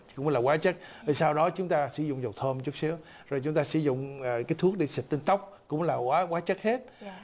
cũng là hóa chất rồi sau đó chúng ta sử dụng dầu thơm chút xíu rồi chúng ta sử dụng cái thuốc xịt tóc cũng là hóa hóa chất hết